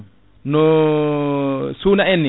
no suuna en ni